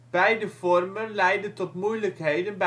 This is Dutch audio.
Beide vormen leiden tot moeilijkheden